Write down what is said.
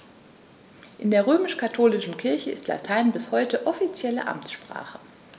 In der römisch-katholischen Kirche ist Latein bis heute offizielle Amtssprache.